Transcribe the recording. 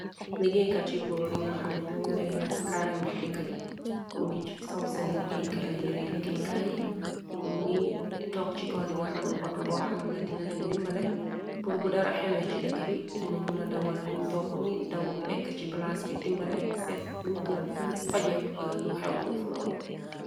Liggéeykat yu góor yi nga xamne ño yoree kaaranger dekka bi ñi ngi sol seen liggéey yëree liggéey kaayyi ñu ngiy tokk ci koli nga xamne outo bo xann la dina leen dimbale pur bu dara xewe ci dëkka bi ddinañ mu na dawal liñ tokkna ngi daw ekk ci palaas b dimbale seet luñ mu na fajep lu xew fuufunoon.